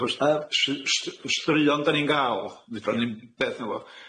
Achos yy s- s- s- s- straeon 'dan ni'n ga'l fedran ni'm peth 'na fo,